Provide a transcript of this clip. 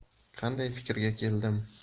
qanday fikrga keldim